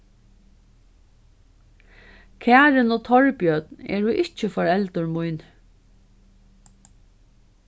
karin og torbjørn eru ikki foreldur míni